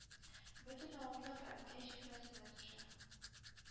Өтен авырлык әнкәй җилкәсенә төшә.